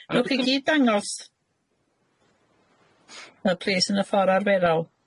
Newch chi gyd ddangos nawr plis yn y ffor arferol.